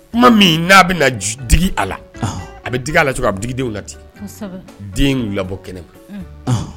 Kuma min n'a bɛ digi a la a bɛ digi' a lacogo a bɛ digi denw la ten den labɔ kɛnɛ ma